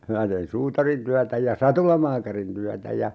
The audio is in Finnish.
minä tein suutarintyötä ja satulamaakarin työtä ja sitten